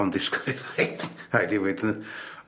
Ond disgwyl rhaid 'di weud